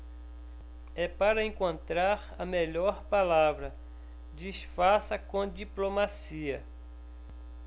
é para encontrar a melhor palavra disfarça com diplomacia